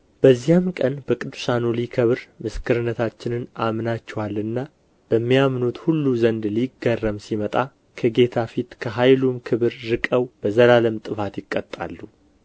በዚያም ቀን በቅዱሳኑ ሊከብር ምስክርነታችንንም አምናችኋልና በሚያምኑት ሁሉ ዘንድ ሊገረም ሲመጣ ከጌታ ፊት ከኃይሉም ክብር ርቀው በዘላለም ጥፋት ይቀጣሉ